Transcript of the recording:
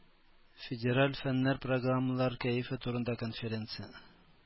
Федераль фэннэр программалар кәефе турында конференция.